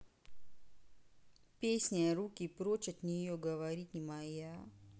песня руки прочь от нее говорить не моя